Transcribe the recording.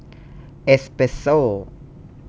เอสเปสโซ่